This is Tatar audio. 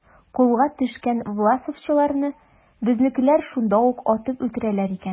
Кулга төшкән власовчыларны безнекеләр шунда ук атып үтерәләр икән.